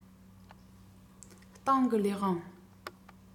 ཏང གི ལས དབང